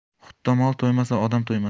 hutda mol to'ymasa odam to'ymas